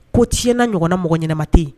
Ko tiɲɛna ɲɔgɔnna mɔgɔ ɲɛnama tɛ yen